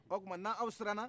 o tuma n'aw siranna